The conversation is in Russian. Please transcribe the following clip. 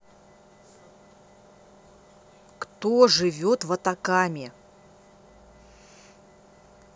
кто живет в атакаме